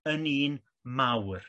yn un mawr